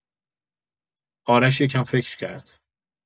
آرش یه کم فکر کرد.